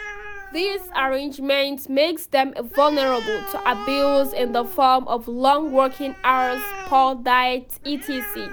This arrangement makes them vulnerable to abuse in the form of long working hours, poor diet, etc.